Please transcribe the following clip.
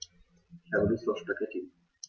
Ich habe Lust auf Spaghetti.